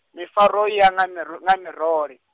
mifaro i ya nga mir- nga mirole.